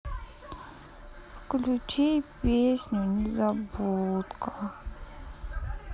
включи песню незабудка